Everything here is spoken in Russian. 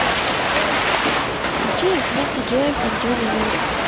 причина смерти jared anthony редис